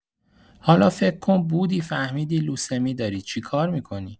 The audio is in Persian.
حالا فکر کن بودی فهمیدی لوسمی داری، چی کار می‌کنی؟